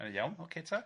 Yn iawn, ok ta.